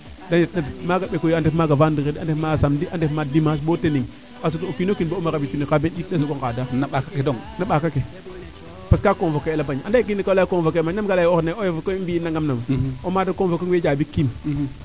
maaga mbekuyo a ndef maaga vendredi a ndef ma samedi a ndef ma dimanche bo tening a sut o kiik=no kiin ba'um a rabid cunni xarɓeer ɗik de soogo ngaada na ɓaaka ke parce que kaa convoquer el a mbañ ande keene ko leya ye convoquer o xene i mbi nanagm nangam o maado convequer ong wee jambikiim